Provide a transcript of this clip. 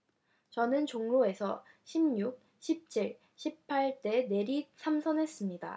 저는 종로에서 십 육 십 칠 십 팔 대 내리 삼선했습니다